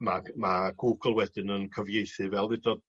ma' ma' Google wedyn yn cyfieithu fel ddedodd...